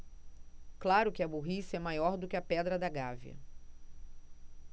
claro que a burrice é maior do que a pedra da gávea